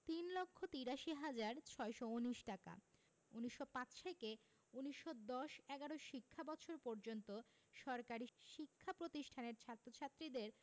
৩ লক্ষ ৮৩ হাজার ৬১৯ টাকা ১৯০৫ থেকে ১৯১০ ১১ শিক্ষাবর্ষ পর্যন্ত সরকারি শিক্ষা প্রতিষ্ঠানের ছাত্র ছাত্রীদের